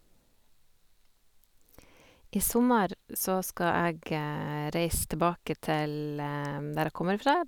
I sommer så skal jeg reise tilbake til der jeg kommer fra.